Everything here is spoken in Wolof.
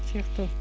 surtout